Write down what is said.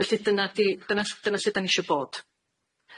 Felly dyna di dyna s- dyna lle da ni isio bod.